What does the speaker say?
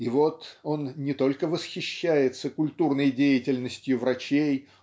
и вот он не только восхищается культурной деятельностью врачей